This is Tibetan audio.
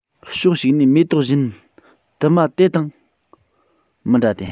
ཕྱོགས ཞིག ནས མེ ཏོག གཞན དུ མ དེ དང མི འདྲ སྟེ